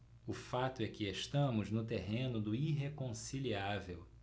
o fato é que estamos no terreno do irreconciliável